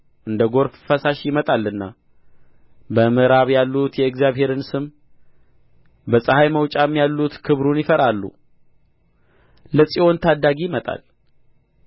እንደ ጐርፍ ፈሳሽ ይመጣልና በምዕራብ ያሉት የእግዚአብሔርን ስም በፀሐይ መውጫም ያሉት ክብሩን ይፈራሉ ለጽዮን ታዳጊ ይመጣል